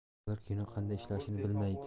ular kino qanday ishlanishini bilmaydi